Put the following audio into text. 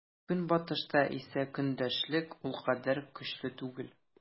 Көнбатышта исә көндәшлек ул кадәр көчле түгел.